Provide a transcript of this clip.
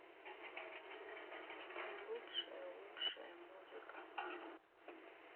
лучшие лучшая музыка